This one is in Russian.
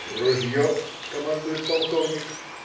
"В ружье!" - командует полковник.